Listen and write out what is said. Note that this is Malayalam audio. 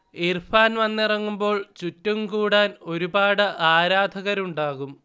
ഇർഫാൻ വന്നിറങ്ങുമ്പോൾ ചുറ്റും കൂടാൻ ഒരുപാട് ആരാധകരുണ്ടാകും